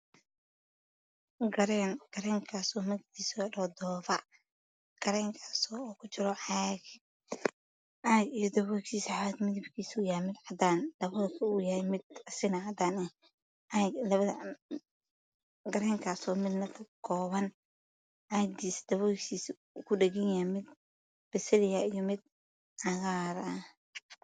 Karam. kareemkasoo. Magaciisa ladhaho dofa kareemkaasoo ku jiro caag iyo. daboolkiisa caag medebkiisu yahay mid. cadaan ah daboolkiisa yahay cadan kareemkaasoo ka koooban mid basali ah iyo mid cagaar ah